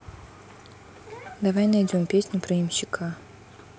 давай найдем песню про ямщика